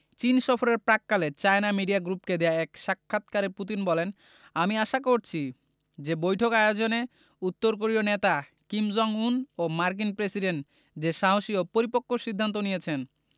চীন সফরের প্রাক্কালে চায়না মিডিয়া গ্রুপকে দেওয়া এক সাক্ষাৎকারে পুতিন বলেন আমি আশা করছি যে বৈঠক আয়োজনে উত্তর কোরীয় নেতা কিম জং উন ও মার্কিন প্রেসিডেন্ট যে সাহসী ও পরিপক্ব সিদ্ধান্ত নিয়েছেন